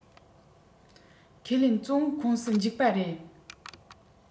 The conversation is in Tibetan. ཁས ལེན གཙོ བོའི ཁོངས སུ འཇུག པ རེད